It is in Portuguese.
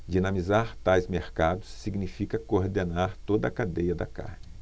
dinamizar tais mercados significa coordenar toda a cadeia da carne